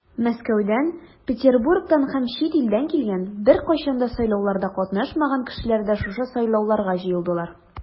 Мәскәүдән, Петербургтан һәм чит илдән килгән, беркайчан да сайлауларда катнашмаган кешеләр дә шушы сайлауларга җыелдылар.